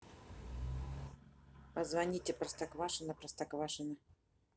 позвоните простоквашино простоквашино